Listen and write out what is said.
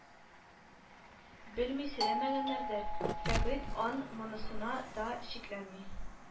Белми сөйләмәгәннәрдер, Фәгыйть ан монысына да шикләнми